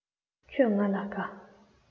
ཁྱོད ང ལ དགའ